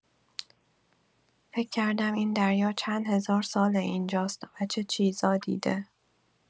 فکر کردم این دریا چند هزار ساله اینجاست و چه چیزا دیده.